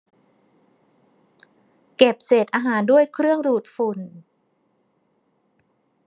เก็บเศษอาหารด้วยเครื่องดูดฝุ่น